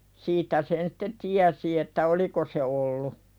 siitä sen sitten tiesi että oliko se ollut